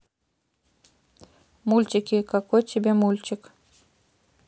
мультики какой тебе мультик